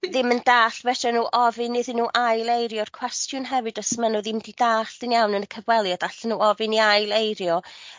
ddim yn dall' f' asha n'w ofyn iddyn n'w aileirio'r cwestiwn hefyd os ma' n'w ddim 'di dallt yn iawn yn y cyfweliad allan n'w ofi'n i ail eirio.